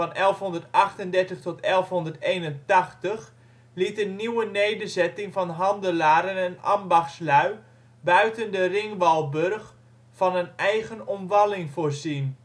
1138-1181) liet een nieuwe nederzetting van handelaren en ambachtslui buiten de ringwalburg van een eigen omwalling voorzien